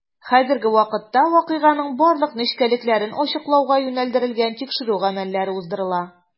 Хәзерге вакытта вакыйганың барлык нечкәлекләрен ачыклауга юнәлдерелгән тикшерү гамәлләре уздырыла.